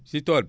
si tool bi